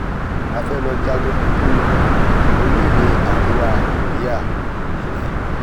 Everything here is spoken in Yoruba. À fẹ́ lọ jagun pẹ̀lú orílẹ̀-èdè Àríwá Kòría télẹ̀.